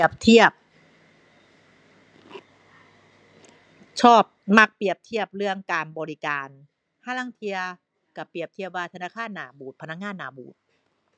เปรียบเทียบ ชอบ มักเปรียบเทียบเรื่องการบริการ ห่าลางเที่ยก็เปรียบเทียบว่าธนาคารหน้าบูด พนักงานหน้าบูด